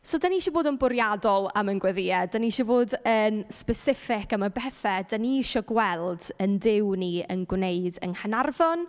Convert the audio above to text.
So, dan ni isie bod yn bwriadol am ein gweddïau. Dan ni eisiau fod yn specific am y bethe dan ni isie gweld ein Duw ni yn gwneud yng Nghaernarfon.